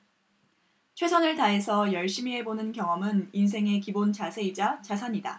최선을 다해서 열심히 해보는 경험은 인생의 기본 자세이자 자산이다